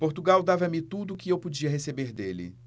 portugal dava-me tudo o que eu podia receber dele